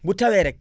bu tawee rek